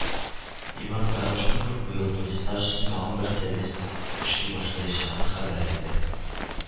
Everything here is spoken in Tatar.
Иван Кадошников быел туристлар өчен тагын бер сервис эшли башлаячагын хәбәр итте